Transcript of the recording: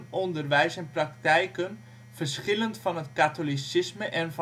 onderwijs en praktijken verschillend van het katholicisme en